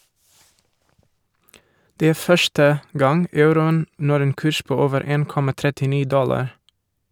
Det er første gang euroen når en kurs på over 1,39 dollar.